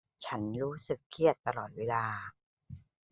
ฉันรู้สึกเครียดตลอดเวลา